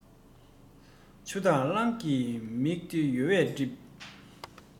ཆུ འཐག གླང གི མིག དེ ཡོལ བས བསྒྲིབས